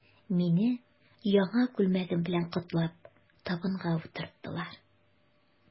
Мине, яңа күлмәгем белән котлап, табынга утырттылар.